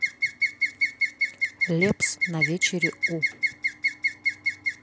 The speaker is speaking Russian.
лепс на вечере у